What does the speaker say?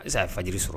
N'a faji sɔrɔ